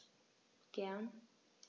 Gern.